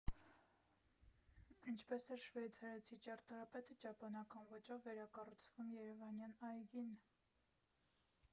Ինչպես էր շվեյցարացի ճարտարապետը ճապոնական ոճով վերակառուցվում երևանյան այգին.